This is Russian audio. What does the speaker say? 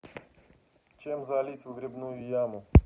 чем залить выгребную яму